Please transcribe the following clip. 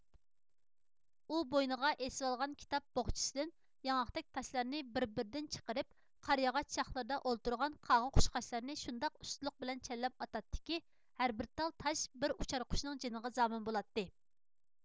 ئۇ بوينىغا ئېسىۋالغان كىتاب بوخچىسىدىن ياڭاقتەك تاشلارنى بىر بىرىدىن چىقىرىپ قارىياغاچ شاخلىرىدا ئولتۇرغان قاغا قۇشقاچلارنى شۇنداق ئۇستىلىق بىلەن چەنلەپ ئاتاتتىكى ھەر بىر تال تاش بىر ئۇچار قۇشنىڭ جېنىغا زامىن بولاتتى